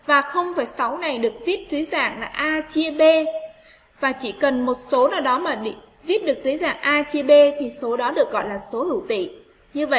và ngày được viết dưới dạng là a chia b và chỉ cần một số nào đó mà bị viết được dưới dạng a chia b thì số đó được gọi là số hữu tỉ